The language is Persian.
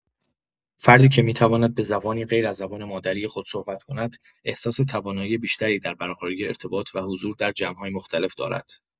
فردی که می‌تواند به زبانی غیراز زبان مادری خود صحبت کند، احساس توانایی بیشتری در برقراری ارتباط و حضور در جمع‌های مختلف دارد.